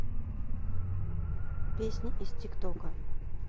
песни из тик тока